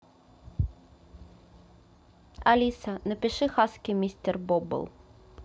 алиса напиши хаски mister booble